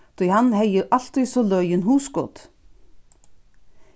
tí hann hevði altíð so løgin hugskot